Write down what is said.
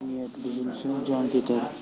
niyat buzilsa jon ketar